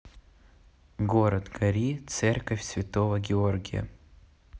город гори церковь святого георгия